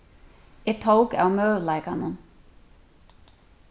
eg tók av møguleikanum